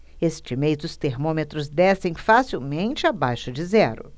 este mês os termômetros descem facilmente abaixo de zero